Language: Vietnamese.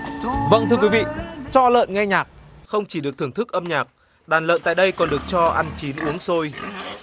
vâng thưa quý vị cho lợn nghe nhạc không chỉ được thưởng thức âm nhạc đàn lợn tại đây còn được cho ăn chín uống sôi